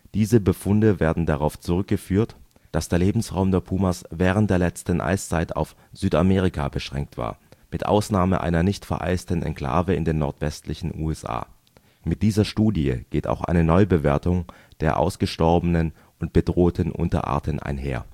Diese Befunde werden darauf zurückgeführt, dass der Lebensraum des Pumas während der letzten Eiszeit auf Südamerika beschränkt war, mit Ausnahme einer nicht vereisten Enklave in den nordwestlichen USA. Mit dieser Studie geht auch eine Neubewertung der ausgestorbenen und bedrohten Unterarten einher